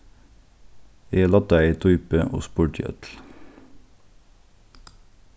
eg loddaði dýpið og spurdi øll